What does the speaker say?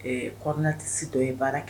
Kɔnɔna tɛsi dɔ ye baara kɛ